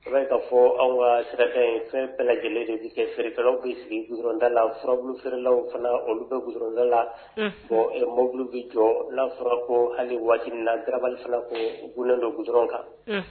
A ye k'a fɔ an ka sirata ye fɛn bɛɛ lajɛlen de bɛ kɛ fɛrɛɛrɛkɛlaww bɛ sigiɔrɔnda la furabu fɛrɛɛrɛlaw fana olu bɛɛda la ko mobili bɛ jɔ lafako hali waatijibiina tarawelerabali fana ko gdɔ dɔrɔn kan